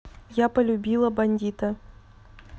я полюбила бандита